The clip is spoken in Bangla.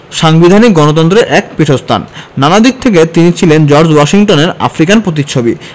সাংবিধানিক গণতন্ত্রের এক পীঠস্থান নানা দিক থেকে তিনি ছিলেন জর্জ ওয়াশিংটনের আফ্রিকান প্রতিচ্ছবি